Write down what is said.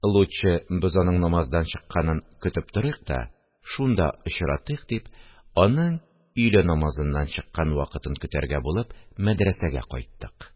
– лутчы без аның намаздан чыкканын көтеп торыйк та шунда очратыйк, – дип, аның өйлә намазыннан чыккан вакытын көтәргә булып, мәдрәсәгә кайттык